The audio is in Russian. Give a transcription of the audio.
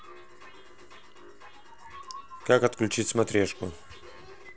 как отключить смотрешку